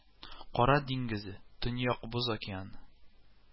Кара диңгезе, Төньяк Боз океаны